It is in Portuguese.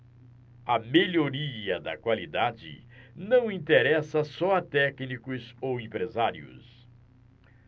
a melhoria da qualidade não interessa só a técnicos ou empresários